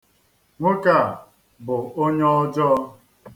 Nwoke a bụ onye ọjọọ.